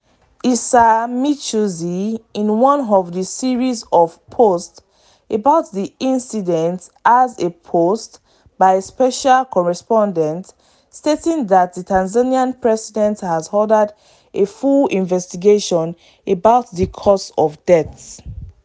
Issa Michuzi, in one of the series of posts about the incident has a post by a special correspondent stating that the Tanzanian President has ordered a full investigation about the causes of deaths.